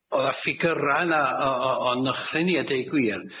Odda ffigyra' yna, o- o o' 'n nychryn i a deu gwir,